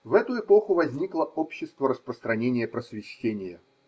В эту эпоху возникло общество распространения просвещения.